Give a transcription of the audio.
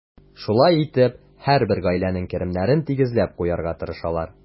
Шулай итеп, һәрбер гаиләнең керемнәрен тигезләп куярга тырышалар.